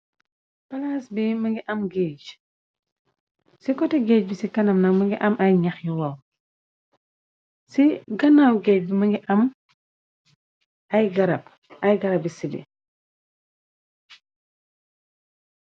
palaas bi mëngi am géeje ci kote géej bi ci kanam na mëngi am ay ñax yi waw ci ganaaw géej më ngi am grab ay garab bi cidi